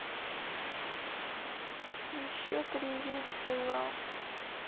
еще привет дела